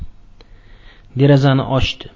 derazani ochdi